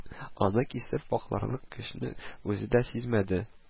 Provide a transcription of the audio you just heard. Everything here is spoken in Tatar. Аны кисеп вакларлык көчне үзендә сизмәде